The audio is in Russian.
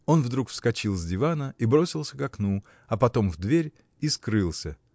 Он вдруг вскочил с дивана и бросился к окну, а потом в дверь и скрылся.